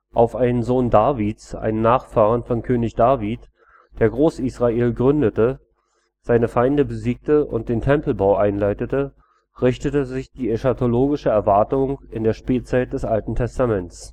Auf einen „ Sohn Davids “, einen Nachfahren von König David, der Großisrael gründete, seine Feinde besiegte und den Tempelbau einleitete, richtete sich die eschatologische Erwartung in der Spätzeit des AT